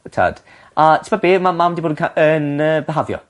t'od? A t'mo' be' ma' mam 'di bod yn ca' yn yy bihafio.